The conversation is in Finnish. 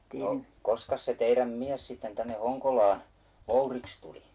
no koskas se teidän mies sitten tänne Honkolaan voudiksi tuli